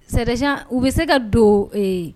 Sɛdc u bɛ se ka don